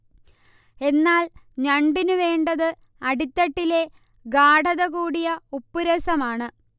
എന്നാൽ ഞണ്ടിനു വേണ്ടത് അടിത്തട്ടിലെ ഗാഢത കൂടിയ ഉപ്പുരസമാണ്